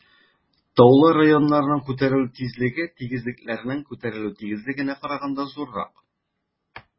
Таулы районнарның күтәрелү тизлеге тигезлекләрнең күтәрелү тизлегенә караганда зуррак.